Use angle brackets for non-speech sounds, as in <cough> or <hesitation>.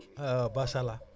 <hesitation> maasàllaa